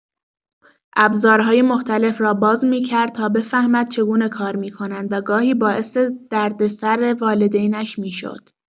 ابزارهای مختلف را باز می‌کرد تا بفهمد چگونه کار می‌کنند و گاهی باعث دردسر والدینش می‌شد.